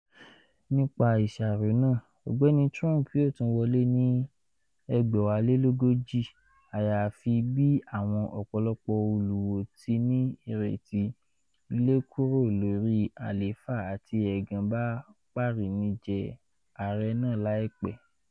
Nipa iṣaro naa, Ọgbẹni Trump yoo tun wọle ni 2020 ayafi, bi awọn ọpọlọpọ oluwo ti ni ireti, ile kúrò lori alefa ati ẹgan ba parinijẹ arẹ rẹ laipe.